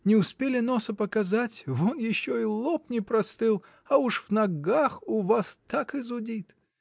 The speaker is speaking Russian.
Не успели носа показать, вон еще и лоб не простыл, а уж в ногах у вас так и зудит?